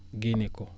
génne ko